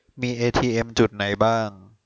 มีเอทีเอมจุดไหนบ้าง